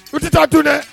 U tɛ taa a tun dɛ